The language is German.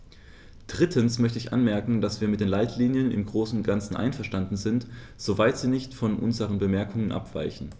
Drittens möchte ich anmerken, dass wir mit den Leitlinien im großen und ganzen einverstanden sind, soweit sie nicht von unseren Bemerkungen abweichen.